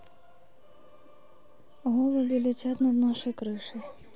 голуби летят над нашей крышей